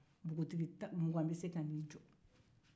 npogotigi mugan bɛ se ka na i jɔ